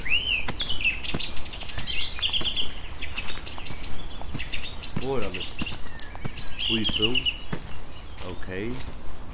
orðalisti íbúð ókey